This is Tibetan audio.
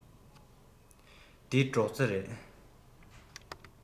འདི སྒྲོག རྩེ རེད